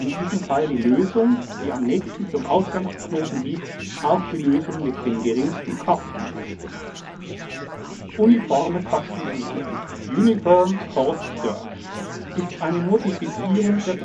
diesem Fall die Lösung, die am nächsten zum Ausgangsknoten liegt, auch die Lösung mit den geringsten Kosten ist. Uniforme Kostensuche (Uniform Cost Search) ist eine Modifizierung der Breitensuche. Der